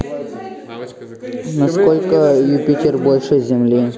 на сколько юпитер больше земли